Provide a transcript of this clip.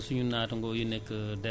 lu jëm ci itinéraire technique bi